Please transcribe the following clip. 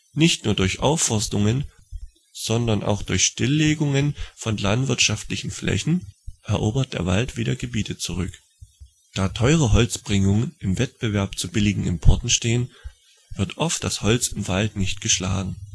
Nicht nur durch Aufforstungen, sondern auch durch Stilllegungen von landwirtschaftlichen Flächen erobert der Wald wieder Gebiete zurück. Da teure Holzbringung im Wettbewerb zu billigeren Importen stehen, wird oft das Holz im Wald nicht geschlagen